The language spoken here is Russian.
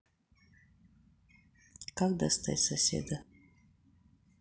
как достать соседа